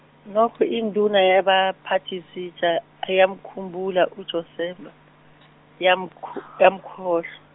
nokho induna yabaphathizitsha, ayamkhumbula uJosefa, yamkh- yamkhohlwa.